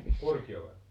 Kurkijoella